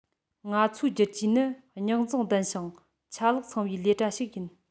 ང ཚོའི བསྒྱུར བཅོས ནི རྙོག འཛིང ལྡན ཞིང ཆ ལག ཚང བའི ལས གྲྭ ཞིག ཡིན